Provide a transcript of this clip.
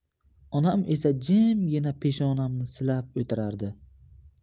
onam esa jimgina peshonamni silab o'tirardi